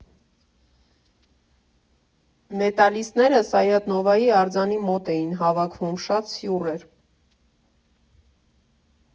Մետալիստները Սայաթ֊Նովայի արձանի մոտ էին հավաքվում՝ շատ սյուռ էր։